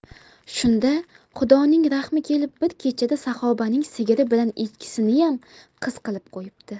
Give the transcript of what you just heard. shunda xudoning rahmi kelib bir kechada saxobaning sigiri bilan echkisiniyam qiz qilib qo'yibdi